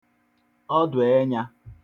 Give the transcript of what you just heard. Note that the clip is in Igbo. ọdụ enyā